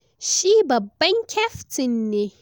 Shi babban kyaftin ne.